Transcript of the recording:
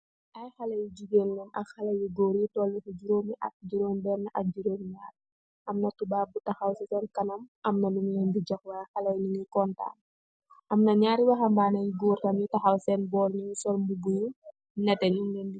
Ayyi haleh yuu goor ak jigeen yuu tahow ak behna tubab.